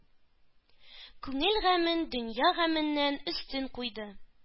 Күңел гамен дөнья гаменнән өстен куйды...